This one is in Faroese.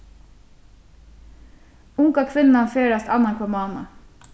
unga kvinnan ferðast annanhvønn mánað